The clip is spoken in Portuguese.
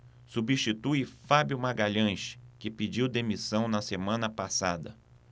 substitui fábio magalhães que pediu demissão na semana passada